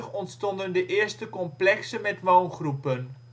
ontstonden de eerste complexen met woongroepen